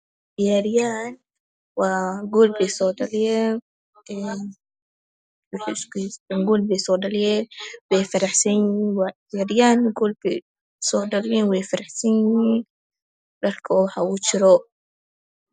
Waa ciyaari yahay gool bay so dhaliyeen waxay isku haystaan gol bay soo dhaliyeen way farax sanyihiin waa ciyaari yahan golkey soo dhaliyeen way faraxsanyihiin dharka oo waxaa ugu jiro